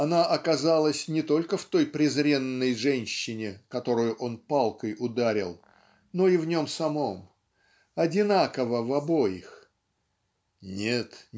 Она оказалась не только в той презренной женщине которую он палкой ударил но и в нем самом одинаково в обоих "нет